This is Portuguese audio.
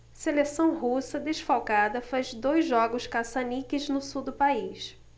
seleção russa desfalcada faz dois jogos caça-níqueis no sul do país